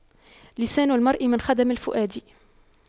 لسان المرء من خدم الفؤاد